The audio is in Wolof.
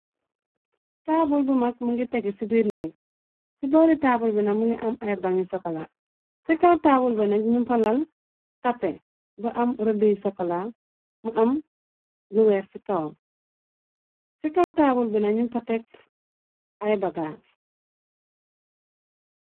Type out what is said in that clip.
Taabul bu mag mu ngi tegge ci biir nekk. Ci boori taabul bina mingi am ay bangi sokala. Ci kaw taawul ba nek ñu fa lal tappe bu am rëduy sokala mu am lu weex ci kawam. Ci kaw taabul bi ñyu fa tekk ay bagaas.